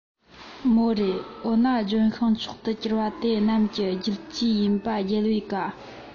མོ རེའོ ན ལྗོན ཤིང མཆོག ཏུ འགྱུར པ དེ རྣམས ཀྱི རྒྱུད བཅས ཡིན པ རྒྱལ བའི བཀའ